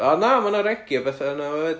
O na ma' 'na regi a betha yndda fo 'fyd.